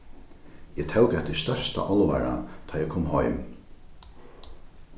eg tók hetta í størsta álvara tá eg kom heim